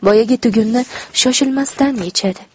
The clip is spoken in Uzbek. boyagi tugunni shoshilmasdan yechadi